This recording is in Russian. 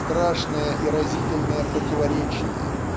страшное и разительное противоречие